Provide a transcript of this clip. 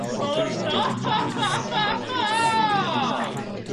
O na ha ha ha ha